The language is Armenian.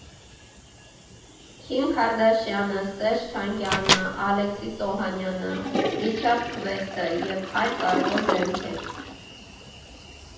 Քիմ Քարդաշյանը, Սերժ Թանկյանը, Ալեքսիս Օհանյանը, Ռիչարդ Քվեսթը և այլ կարևոր դեմքեր։